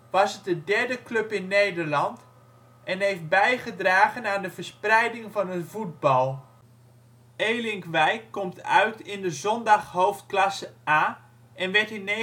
was het de derde club in Nederland en heeft bijgedragen aan de verspreiding van het voetbal. Elinkwijk komt uit in de Zondag hoofdklasse A en werd in 1974